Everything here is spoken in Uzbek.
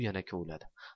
u yana kovladi